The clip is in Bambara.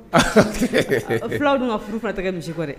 Fulaw dun ka furu fana tɛ kɛ misi kɔ dɛ.